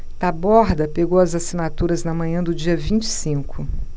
taborda pegou as assinaturas na manhã do dia vinte e cinco